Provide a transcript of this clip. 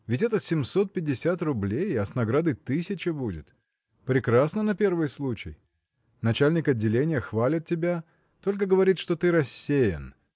ведь это семьсот пятьдесят рублей, а с наградой тысяча будет. Прекрасно на первый случай! Начальник отделения хвалит тебя только говорит, что ты рассеян